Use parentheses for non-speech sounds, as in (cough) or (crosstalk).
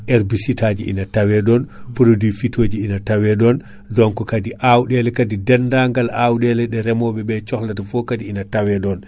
herbicide taji ina tawe ɗon produit ji fito ji ina tawe ɗon (breath) donc kaadi awɗele kaadi dennagal awɗele ɗe reemoɓeɓe cohlata fo kaadi ina tawe ɗon